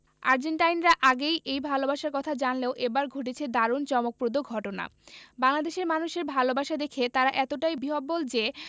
আর্জেন্টাইনরা আগেই এই ভালোবাসার কথা জানলেও এবার ঘটেছে দারুণ চমকপ্রদ ঘটনা বাংলাদেশের মানুষের ভালোবাসা দেখে তারা এতটাই বিহ্বল যে